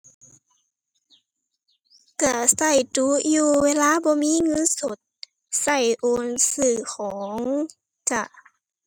ก็ก็ดู๋อยู่เวลาบ่มีเงินสด ก็โอนซื้อของจ๊ะ